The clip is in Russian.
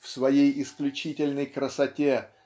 в своей исключительной красоте